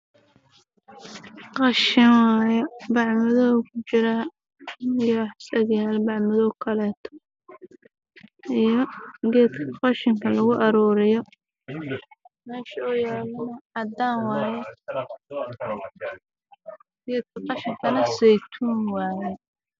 Halkaan waxaa ka muuqdo cagadaha qashinka oo cagaar ah iyo baco madaw oo qashinka ah